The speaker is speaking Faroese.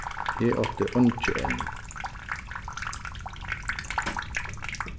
eg átti eingi enn